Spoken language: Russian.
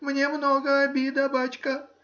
— мне много обида, бачка